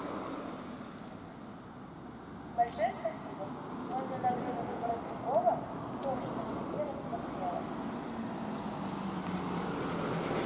большое спасибо можно на время выбора другого то что не все рассмотрела